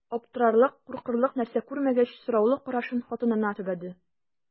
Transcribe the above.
Аптырарлык, куркырлык нәрсә күрмәгәч, сораулы карашын хатынына төбәде.